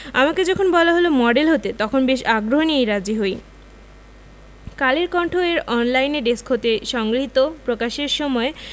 আমাকে যখন বলা হলো মডেল হতে তখন বেশ আগ্রহ নিয়েই রাজি হই কালের কণ্ঠ এর অনলাইনে ডেস্ক হতে সংগৃহীত প্রকাশের সময়